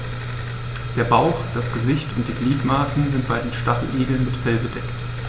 Der Bauch, das Gesicht und die Gliedmaßen sind bei den Stacheligeln mit Fell bedeckt.